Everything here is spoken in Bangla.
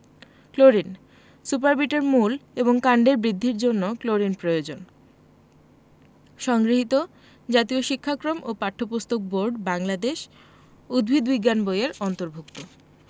ক্লোরিন সুপারবিট এর মূল এবং কাণ্ডের বৃদ্ধির জন্য ক্লোরিন প্রয়োজন সংগৃহীত জাতীয় শিক্ষাক্রম ও পাঠ্যপুস্তক বোর্ড বাংলাদেশ উদ্ভিদ বিজ্ঞান বই এর অন্তর্ভুক্ত